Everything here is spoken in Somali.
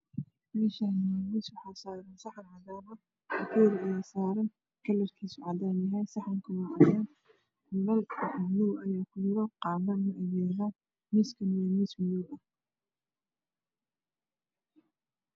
Meeshaani waa miis waxaa saaran saxan cadaan kalarkisa cadaan yahay saxan waa cadaan nalka blueo miiskana waa madow